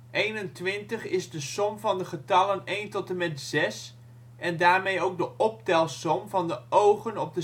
Eenentwintig is de som van de getallen 1 tot en met 6, en daarmee ook de optelsom van de ogen op